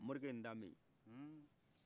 morikɛ in dalendo ye